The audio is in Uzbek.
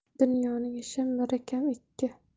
dunyoning ishi miri kam ikki